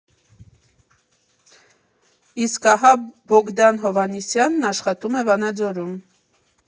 Իսկ ահա Բոգդան Հովհաննիսյանն աշխատում է Վանաձորում։